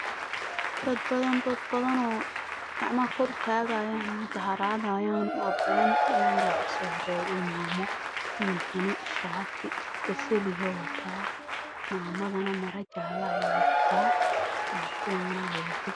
Wa niman iyo naago ciyaaraya